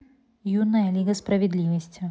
юная лига справедливости